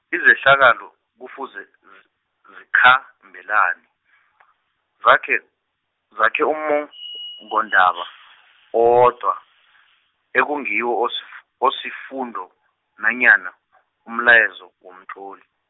izehlakalo, kufuze, z- zikhambelane , zakhe zakhe, ummongondaba, owodwa, ekungiwo osif- osifundo, nanyana , umlayezo, womtloli.